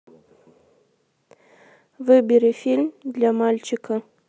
выбери фильм для мальчика